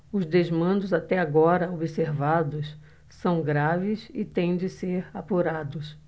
os desmandos até agora observados são graves e têm de ser apurados